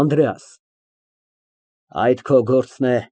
ԱՆԴՐԵԱՍ ֊ Այդ քո գործն է։